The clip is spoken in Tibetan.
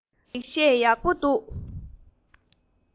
ས སྐྱ ལེགས བཤད ཡོག པོ འདུག